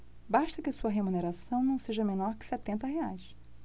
basta que sua remuneração não seja menor que setenta reais